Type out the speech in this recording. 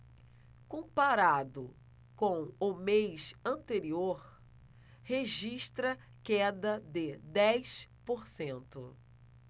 comparado com o mês anterior registra queda de dez por cento